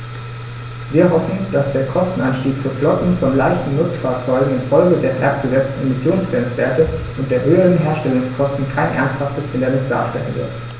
Wir hoffen, dass der Kostenanstieg für Flotten von leichten Nutzfahrzeugen in Folge der herabgesetzten Emissionsgrenzwerte und der höheren Herstellungskosten kein ernsthaftes Hindernis darstellen wird.